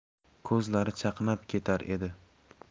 ko'zlari chaqnab ketar edi